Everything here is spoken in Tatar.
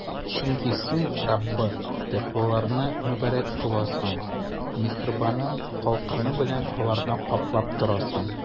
Чөнки Син, Раббы, тәкъваларны мөбарәк кыласың, миһербаның калканы белән аларны каплап торасың.